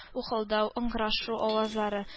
Ухылдау, ыңгырашу авазлары